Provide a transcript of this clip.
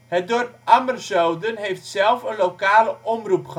Het dorp Ammerzoden heeft zelf een lokale omroep gehad